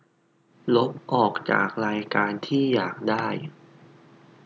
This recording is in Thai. ลบออกจากรายการที่อยากได้